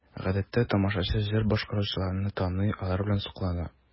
Гадәттә тамашачы җыр башкаручыларны таный, алар белән соклана.